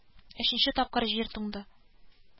Сиңа ышанмый булмый инде.